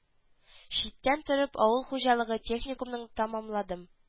Читтән торып авыл хужалыгы техникумын тәмамладым